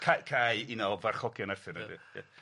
Ca- Cai un o farchogion Arthur ydi ia.